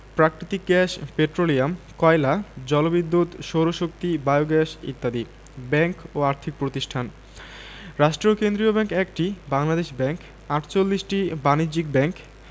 প্রাকৃতিক gas petroleum কয়লা জলবিদ্যুৎ সৌরশক্তি বায়োগ্যাস ইত্যাদি ব্যাংক ও আর্থিক প্রতিষ্ঠানঃ রাষ্ট্রীয় কেন্দ্রীয় ব্যাংক ১টি বাংলাদেশ ব্যাংক ৪৮টি বাণিজ্যিক ব্যাংক